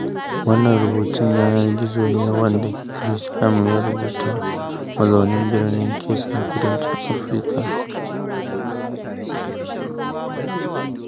Wannan rubutun yanar gizo ne wadda Chris M ya rubuta, mazaunin birnin Case na kudancin Afrika